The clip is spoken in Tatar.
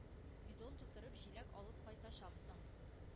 Бидон тутырып, җиләк алып кайтачаксың.